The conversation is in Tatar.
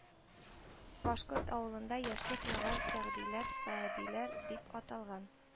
Башкорт авылында яшьлек мөгалсәгъдиләр, саадилар” дип аталган